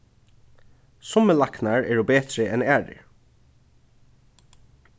summir læknar eru betri enn aðrir